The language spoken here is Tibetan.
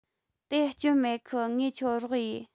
དེ སྐྱོན མེད གི ངས ཁྱོད འ རོགས ཡེད